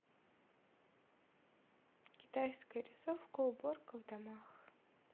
китайская рисовка уборка в домах